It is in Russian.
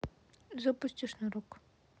запусти шнурок